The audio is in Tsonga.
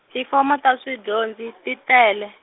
tifomo ta swidyondzi ti tele.